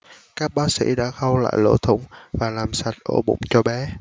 các bác sĩ đã khâu lại lỗ thủng và làm sạch ổ bụng cho bé